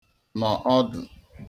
nọ ọdụ